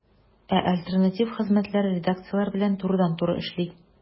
Ә альтернатив хезмәтләр редакцияләр белән турыдан-туры эшли.